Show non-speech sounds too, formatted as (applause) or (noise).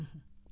(hesitation) (hesitation)